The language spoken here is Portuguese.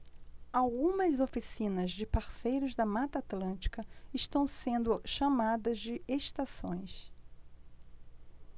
algumas oficinas de parceiros da mata atlântica estão sendo chamadas de estações